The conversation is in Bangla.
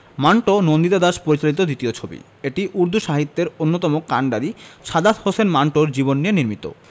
মান্টো নন্দিতা দাস পরিচালিত দ্বিতীয় ছবি এটি উর্দু সাহিত্যের অন্যতম কান্ডারি সাদাত হাসান মান্টোর জীবন নিয়ে নির্মিত